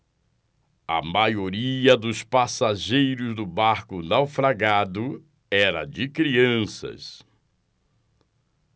a maioria dos passageiros do barco naufragado era de crianças